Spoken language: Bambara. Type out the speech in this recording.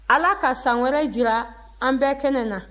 ala ka san wɛrɛ jira an bɛɛ kɛnɛ na